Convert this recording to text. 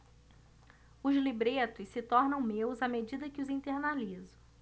os libretos se tornam meus à medida que os internalizo